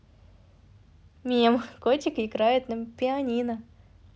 мем котик играет на пианино